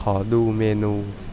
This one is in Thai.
ขอดูเมนู